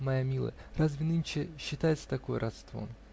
моя милая, разве нынче считается такое родство?